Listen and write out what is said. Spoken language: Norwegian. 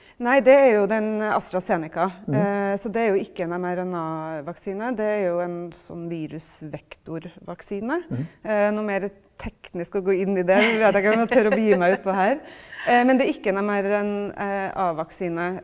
nei det er jo den AstraZeneca, så det er jo ikke en MRNA-vaksine, det er jo en sånn virusvektorvaksine, noe mere teknisk og gå inn i det vet jeg ikke om jeg tør å begi meg ut på her, men det er ikke en MRNA-vaksine.